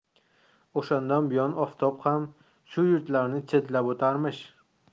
o'shandan buyon oftob ham shu yurtlarni chetlab o'tarmish